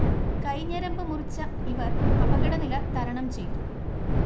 കൈ ഞരമ്ബ് മുറിച്ച ഇവർ അപകടനില തരണം ചെയ്തു